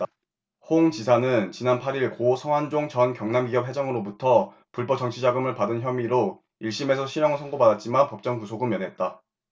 홍 지사는 지난 팔 일 고 성완종 전 경남기업 회장으로부터 불법 정치자금을 받은 혐의로 일 심에서 실형을 선고받았지만 법정 구속은 면했다